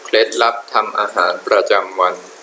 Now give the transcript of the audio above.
เคล็ดลับทำอาหารประจำวัน